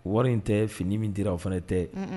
Wari in tɛ fini min dira o fana tɛ